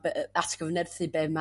atgyfnerthu be ma